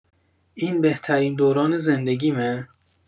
این بهترین دوران زندگیمه؟